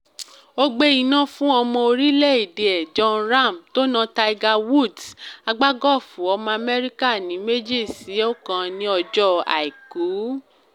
Ó gbé iná fún ọmọ orílẹ̀-èdè ẹ John Ram tó na Tiger Woods, agbágọ́ọ̀fù ọmọ Amẹ́ríkà, ní 2 sí 1 ní ọjọ́ Àìkú.